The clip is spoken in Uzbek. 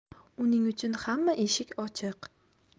uning uchun hamma eshik ochiq